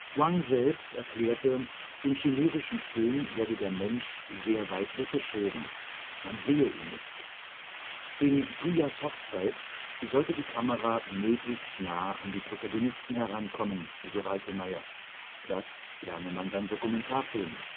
Wang selbst erklärte, im chinesischen Film werde der Mensch sehr weit weggeschoben, man sehe ihn nicht. In Tuyas Hochzeit sollte die Kamera möglichst nahe an die Protagonisten herankommen, so Reitemeier, das lerne man beim Dokumentarfilm